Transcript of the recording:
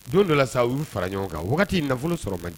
Don dɔ la sa u y'u fara ɲɔgɔn kan wagati' nafolo sɔrɔ man